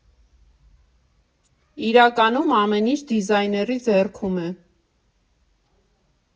Իրականում, ամեն ինչ դիզայների ձեռքում է։